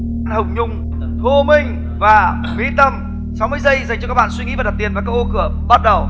hồng nhung thu minh và mỹ tâm sáu mươi giây dành cho các bạn suy nghĩ và đặt tiền vào các ô cửa bắt đầu